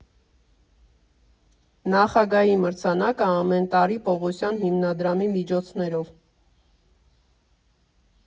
Նախագահի մրցանակը՝ ամեն տարի՝ Պողոսյան հիմնադրամի միջոցներով։